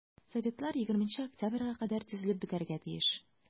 Советлар 20 октябрьгә кадәр төзелеп бетәргә тиеш.